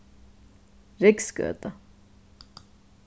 rygsgøta